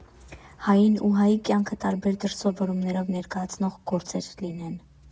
Հային ու հայի կյանքը տարբեր դրսևորումներով ներկայացնող գործեր լինեն։